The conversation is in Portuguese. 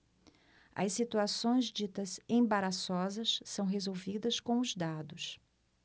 as situações ditas embaraçosas são resolvidas com os dados